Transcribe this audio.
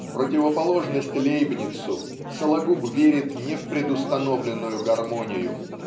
В противоположность Лейбницу Сологуб верит не в предустановленную гармонию